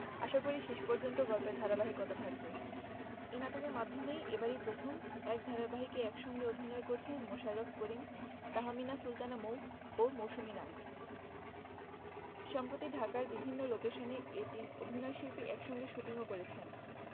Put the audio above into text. আশাকরি শেষ পর্যন্ত গল্পের ধারাবাহিকতা থাকবে এ নাটকের মাধ্যমেই এবারই প্রথম এক ধারাবাহিকে একসঙ্গে অভিনয় করছেন মোশাররফ করিম তাহমিনা সুলতানা মৌ ও মৌসুমী নাগ সম্প্রতি ঢাকার বিভিন্ন লোকেশনে এ তিন অভিনয়শিল্পী একসঙ্গে শুটিংও করেছেন